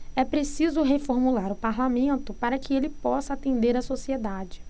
é preciso reformular o parlamento para que ele possa atender a sociedade